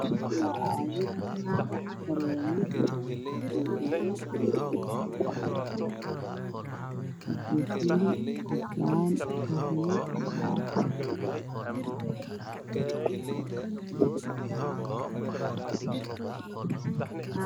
Waa caagad ay ku jiraan karaamo kareemahaas waxaa ku sawiran naag tinta sameysaneyso waxaa soo saartay kareymahan carwo cosmotics